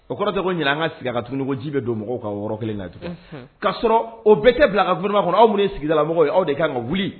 O kɔrɔ tɔgɔ ɲin an ka sigi ka tuguni ji bɛ don mɔgɔw ka yɔrɔ kelen la tugun k kaa sɔrɔ o bɛɛ tɛ bila ka boloba kɔnɔ aw minnu sigidalamɔgɔ ye aw de kan ka wuli